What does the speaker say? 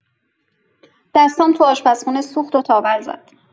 دستام تو آشپزخونه سوخت و تاول زد.